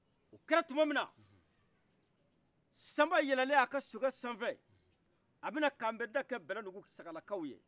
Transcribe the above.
o kɛra tun min na sanba yɛlɛle a ka sokɛ sanfɛ a bina kanbɛ dakɛ bɛ bɛlandugu sakalakaaw ye